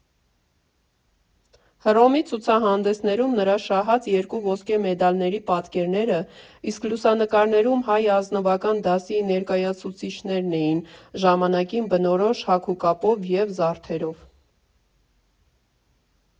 Հռոմի ցուցահանդեսներում նրա շահած երկու ոսկե մեդալների պատկերները, իսկ լուսանկարներում հայ ազնվական դասի ներկայացուցիչներն էին՝ ժամանակին բնորոշ հագուկապով և զարդերով։